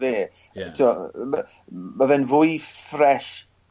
fe. Ie. T'wo' yy ma' ma' fe'n fwy ffres